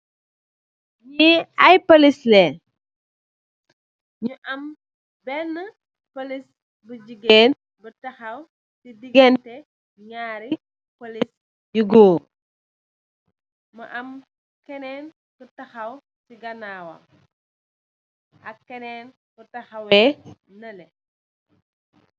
Ñii ay pëliis lañge, ñu am beenë pëliis bu jigéen bu taxaw, si digente ñarri pëliis yu goor.M am kénén ku taxaw si ganaawam, ak kénén ku taxaw we nëlle.